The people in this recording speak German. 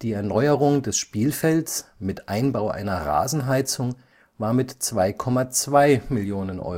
Erneuerung des Spielfelds mit Einbau einer Rasenheizung war mit 2,2 Mio.